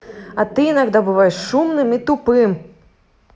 а ты иногда бываешь шумным и тупым